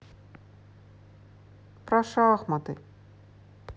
про шахматы